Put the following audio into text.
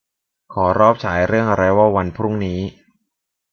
ขอรอบฉายเรื่องอะไรวอลวันพรุ่งนี้